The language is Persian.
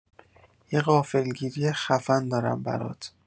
یه غافلگیری خفن دارم برات!